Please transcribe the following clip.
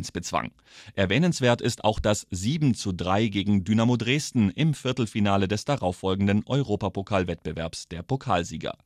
bezwang. Erwähnenswert ist auch das 7:3 gegen Dynamo Dresden im Viertelfinale des darauf folgenden Europapokal-Wettbewerbs der Pokalsieger